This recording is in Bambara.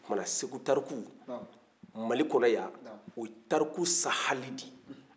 o tuma na segu tariku mali kɔnɔ yan o ye tariku sahalen de ye